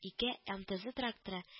Ике “эмтэзэ” тракторы